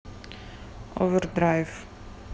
овердрайв